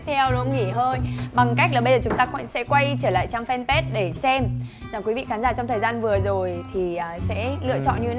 theo đúng không nghỉ hơi bằng cách là bây giờ chúng ta sẽ quay trở lại trang phen pết để xem là quý vị khán giả trong thời gian vừa rồi thì ờ sẽ lựa chọn như